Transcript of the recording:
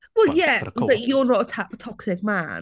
Well yeah but you're not a ta- toxic man.